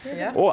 ja.